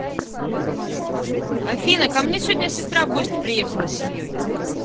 афина ка мне седня сестра в гости приехала с семьей